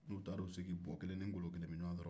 n'u taara u sigi buwɔ kelen ni n'golo kelen bɛ ɲwan sɔrɔ